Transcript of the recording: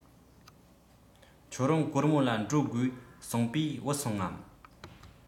ཁྱོད རང གོར མོ ལ འགྲོ དགོས གསུངས པས བུད སོང ངམ